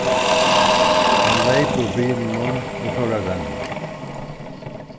hann leyp úr bilinum og fór at renna